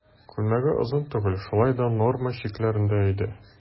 Күлмәге озын түгел, шулай да норма чикләрендә иде.